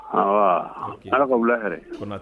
Ayiwa ala ka wula yɛrɛ